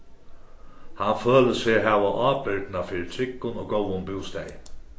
hann følir seg hava ábyrgdina fyri tryggum og góðum bústaði